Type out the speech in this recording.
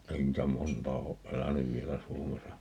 ei niitä montaa ole elänyt vielä Suomessa